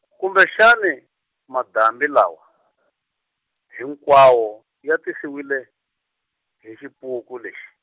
kumbexani madambi lawa, hinkwawo, ya tisiwile, hi xipuku lexi.